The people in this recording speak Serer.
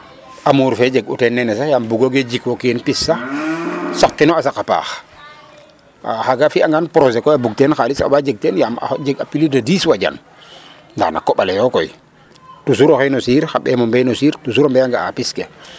Amour fe jeg'u teen nene sax yaam bugoogee jikwo kiin pis sax saqkino a saq a paax. O xaaga, o fi'angan projet koy a bug teen xaalis a waa jeg teen yaam a jeg a plus de 10 wajan ndaa na koƥ ale yo koy toujours waxay no siir xa mbeem o mbay na siir toujours o mbay nga'aa pis ke.